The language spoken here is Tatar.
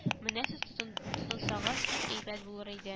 Менә сез тотын тотынсагыз бик әйбәт булыр иде